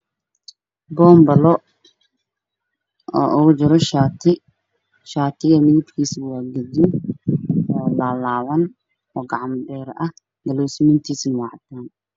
Pambale ugu jiro shaati shaatiga midabkiisuna waa gaduud laalaaban oo gacmo dheer ah guluusmiintiisana waa caddaan